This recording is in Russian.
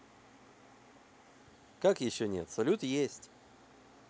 как еще нет салют есть